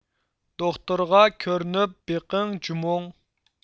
دوختۇرغا كۆرۈنۈپ بېقىڭ جۇمۇڭ